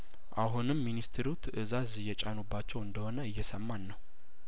አሁንም ሚኒስትሩ ትእዛዝ እየጫኑባቸው እንደሆነ እየሰማን ነው